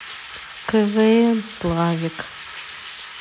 квн славик